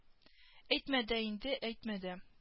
Әйтмә дә инде әйтмә дә